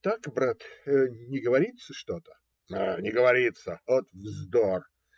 - Так, брат, не говорится что-то. - Не говорится. вот вздор!